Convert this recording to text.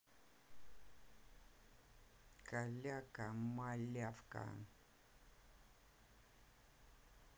каляка малявка